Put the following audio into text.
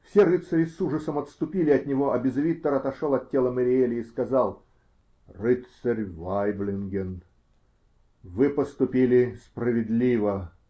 Все рыцари с ужасом отступили от него, а Безевиттер отошел от тела Мэриели и сказал: -- Рыцарь Вайблинген! Вы поступили справедливо.